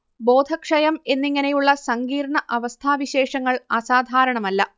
ബോധക്ഷയം എന്നിങ്ങനെയുള്ള സങ്കീർണ്ണ അവസ്ഥാവിശേഷങ്ങൾ അസാധാരണമല്ല